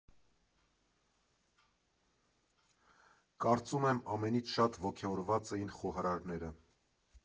Կարծում եմ, ամենից շատ ոգևորված էին խոհարարները։